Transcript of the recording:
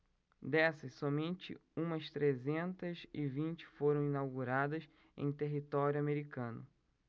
dessas somente umas trezentas e vinte foram inauguradas em território americano